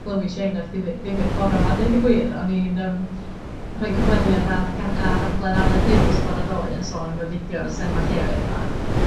Glywis i enghraifft dify- difyr bore 'ma deud y gwir, o'n i'n yym rhoi cyfweliad ar ga- ar raglan Aled Huws bore ddoe yn sôn am y fideos enwa' lleoedd 'ma